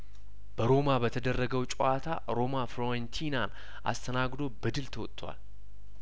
በሮማ በተደረገው ጨዋታ ሮማ ፍሮዬንቲና አስተናግዶ በድል ተወጥቶአል